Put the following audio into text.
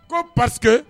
Ko basi